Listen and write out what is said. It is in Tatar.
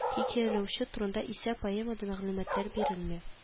Хикәяләүче турында исә поэмада мәгълүматлар бирелми